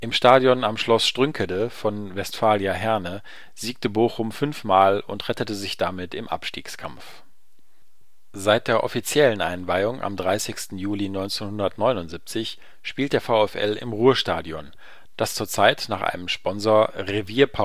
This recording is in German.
Stadion am Schloss Strünkede von Westfalia Herne siegte Bochum fünfmal und rettete sich damit im Abstiegskampf. rewirpowerStadion Bochum Seit der offiziellen Einweihung am 30. Juli 1979 spielt der VfL im Ruhrstadion, das zurzeit nach einem Sponsor rewirpowerStadion